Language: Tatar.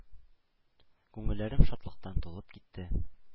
Күңелләрем шатлыктан тулып китте...